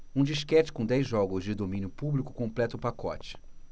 um disquete com dez jogos de domínio público completa o pacote